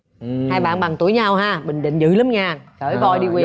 hai bạn bằng tuổi nhau ha bình định dữ lắm nha cưỡi voi đi quyền